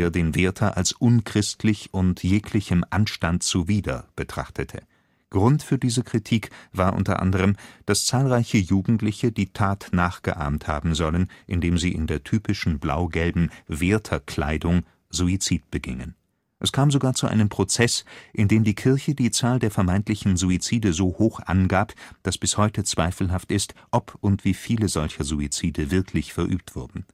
den Werther als „ unchristlich “und „ jeglichem Anstand zuwider “betrachtete. Grund für diese Kritik war unter anderem, dass zahlreiche Jugendliche die Tat nachgeahmt haben sollen, indem sie in der typischen blaugelben „ Wertherkleidung “Suizid begingen. Es kam sogar zu einem Prozess, in dem die Kirche die Zahl der vermeintlichen Suizide so hoch angab, dass bis heute zweifelhaft ist, ob und wie viele solcher Suizide wirklich verübt wurden